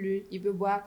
Plus i bɛ bɔ a